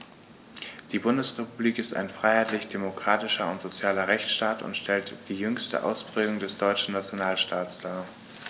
Die Bundesrepublik ist ein freiheitlich-demokratischer und sozialer Rechtsstaat und stellt die jüngste Ausprägung des deutschen Nationalstaates dar.